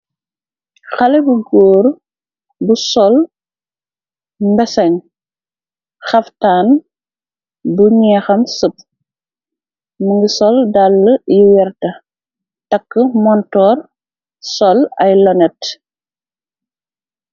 Xale bu góor bu sol mbeseng, kaftan bu nyekham sepp. Mungi sol dall yu werta takk montor, sol ay lonet.